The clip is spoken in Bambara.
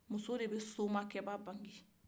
muso de bɛ somakɛba bange